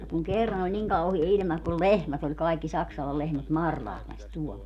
ja kun kerran oli niin kauhea ilma kun lehmät oli kaikki Saksalan lehmät Marlahdessa tuolla